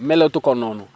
melatu ko noonu